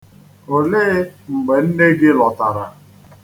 Olee mgbe nne gị lọtara?